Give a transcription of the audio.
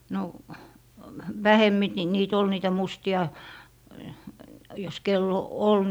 no vähemmin - niitä oli niitä mustia jos kenellä on ollut